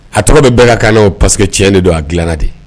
A tɔgɔ bɛ bɛɛ ka kan o paseke ti de don a dilanna de